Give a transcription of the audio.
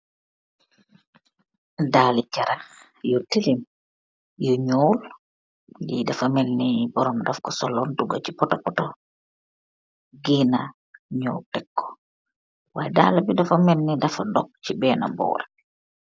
Daali carax yu tilim ,yu ñuul. Yii dafa melni boroom daf ko soloon duga ci potopoto geena, ñoow tekko. Waay daala bi dafa melni dafa dog ci benn boor.